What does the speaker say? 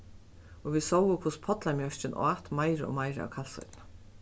og vit sóu hvussu pollamjørkin át meira og meira av kalsoynni